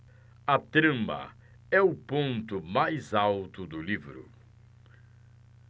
a trama é o ponto mais alto do livro